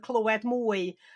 clywed mwy